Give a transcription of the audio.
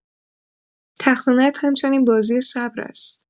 تخته‌نرد همچنین بازی صبر است.